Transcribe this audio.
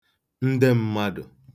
nde m̄mādụ̀